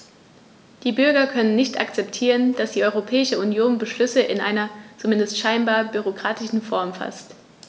Die Bürger können nicht akzeptieren, dass die Europäische Union Beschlüsse in einer, zumindest scheinbar, bürokratischen Form faßt.